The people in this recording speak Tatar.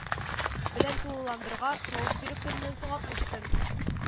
Белән тулыландырырга; тавыш бирү көненнән соң алтмыш көн